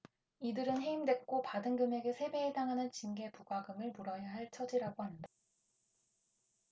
이들은 해임됐고 받은 금액의 세 배에 해당하는 징계부과금을 물어야 할 처지라고 한다